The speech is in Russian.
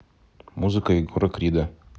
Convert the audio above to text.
музыка егора крида